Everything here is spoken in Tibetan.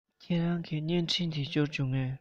ཁྱེད རང གི བརྙན འཕྲིན དེ འབྱོར བྱུང ངས